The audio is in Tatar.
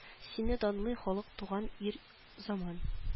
Сине данлый халык туган ир заман